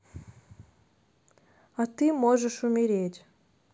а ты можешь умереть